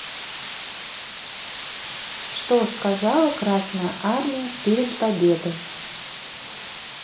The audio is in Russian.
что сказала красная армия перед победой